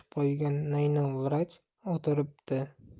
qo'ygan naynov vrach o'tiribdi